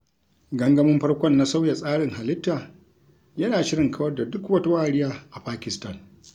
Gangamin farkon na sauya tsarin halitta yana shirin kawar da duk wata wariya a Pakistan